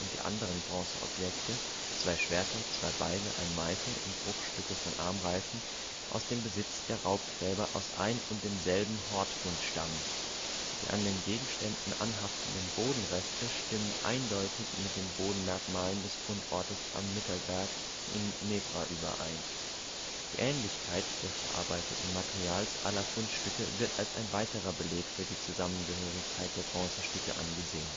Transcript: die anderen Bronzeobjekte (zwei Schwerter, zwei Beile, ein Meißel und Bruchstücke von Armreifen) aus dem Besitz der Raubgräber aus ein und demselben Hortfund stammen. Die an den Gegenständen anhafteten Bodenreste stimmten eindeutig mit dem Bodenmerkmalen des Fundortes am Mittelberg bei Nebra überein. Die Ähnlichkeit des verarbeiteten Materials aller Fundstücke wird als ein weiterer Beleg für die Zusammengehörigkeit der Bronzestücke angesehen